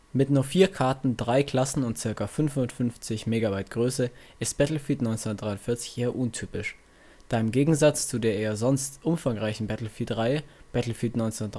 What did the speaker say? Mit nur vier Karten, drei Klassen und ca. 550 MB Größe ist Battlefield 1943 eher untypisch, da im Gegensatz zu der sonst eher umfangreicheren Battlefield-Reihe Battlefield 1943